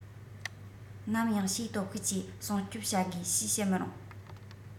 ནམ ཡང ཕྱིའི སྟོབས ཤུགས ཀྱིས སྲུང སྐྱོབ བྱ དགོས ཞེས བཤད མི རུང